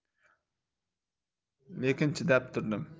lekin chidab turdim